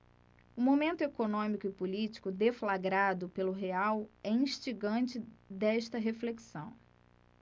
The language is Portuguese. o momento econômico e político deflagrado pelo real é instigante desta reflexão